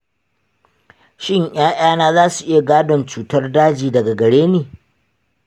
shin ya’yana za su iya gadon cutar daji daga gare ni?